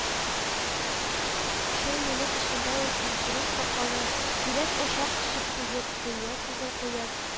Шул минут эчендә үк Бикзирәк-Сакалы сирәк ашап-эчеп туеп, дөнья сүзен куеп